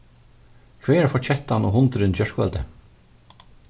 hvagar fóru kettan og hundurin í gjárkvøldið